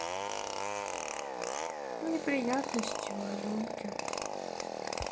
неприятности у аленки